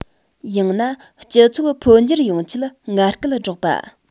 ཡང ན སྤྱི ཚོགས འཕོ འགྱུར ཡོང ཆེད ངར སྐད སྒྲོག པ